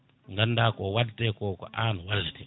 ganda ko waddete ko ko an wallete